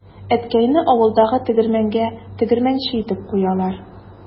Әткәйне авылдагы тегермәнгә тегермәнче итеп куялар.